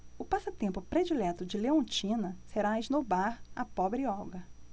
o passatempo predileto de leontina será esnobar a pobre olga